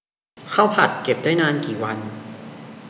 ข้าวผัดเก็บได้นานกี่วัน